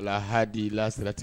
Walahadi la siratigɛ